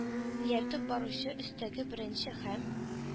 Ияртеп баручы өстәге беренче һәм